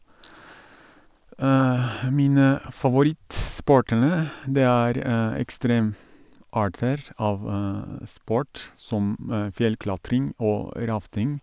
Mine favorittsportene, det er ekstremarter av sport, som fjellklatring og rafting.